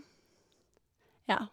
Ja.